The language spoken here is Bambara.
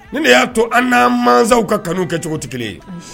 Ni de y'a to an' masaw ka kanu kɛ cogo tɛ kelen ye